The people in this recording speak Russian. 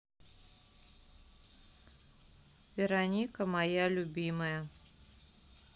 вероника моя любимая